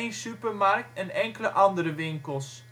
supermarkt en enkele andere winkels